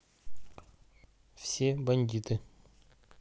все бандиты